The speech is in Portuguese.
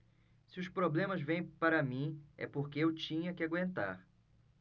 se os problemas vêm para mim é porque eu tinha que aguentar